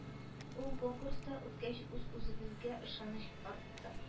Ул конкурска үткәч үз-үзебезгә ышаныч артты